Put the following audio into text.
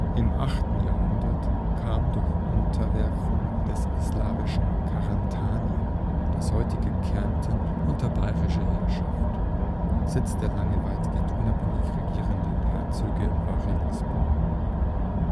Im 8. Jahrhundert kam durch Unterwerfung des slawischen Karantanien das heutige Kärnten unter baierische Herrschaft. Sitz der lange weitgehend unabhängig regierenden Herzöge war Regensburg. St.